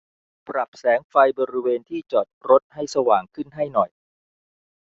ปรับแสงไฟบริเวณที่จอดรถให้สว่างขึ้นให้หน่อย